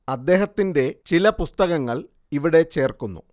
അദ്ദേഹത്തിന്റെ ചില പുസ്തകങ്ങൾ ഇവിടെ ചേർക്കുന്നു